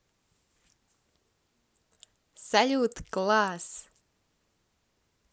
салют класс